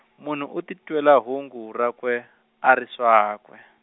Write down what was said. munhu u titwela hungu rakwe, a ri swakwe.